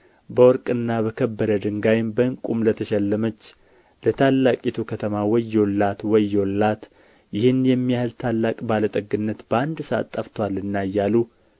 በወርቅና በከበረ ድንጋይም በዕንቁም ለተሸለመች ለታላቂቱ ከተማ ወዮላት ወዮላት ይህን የሚያህል ታላቅ ባለ ጠግነት በአንድ ሰዓት ጠፍቶአልና እያሉ